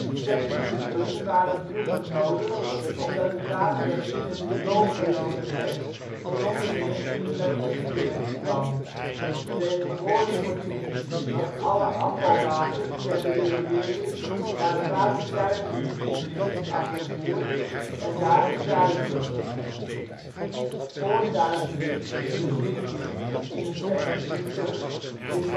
Septische putten waren vroeger nodig, omdat het water dat in de riool geloosd werd zonder meer in de natuur terecht kwam. Tegenwoordig wordt in principe alle afvalwater via de riolering naar een waterzuiveringsinrichting afgevoerd en daar gezuiverd. Voorzuivering (bezinking) in een septische put is